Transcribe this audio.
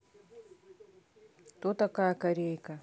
кто такая корейка